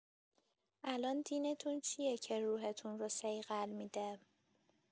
الان دینتون چیه که روح‌تون رو صیقل می‌ده؟